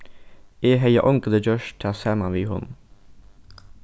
eg hevði ongantíð gjørt tað saman við honum